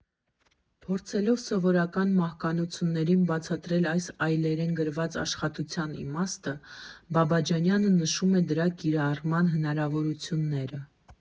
Փորձելով սովորական մահկանացուներին բացատրել այս այլերեն գրված աշխատության իմաստը, Բաբաջանյանը նշում է դրա կիրառման հնարավորությունները.